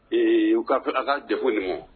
Ee u ka tila deko nin ma